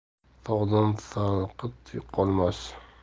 sog'dan salqit qolmas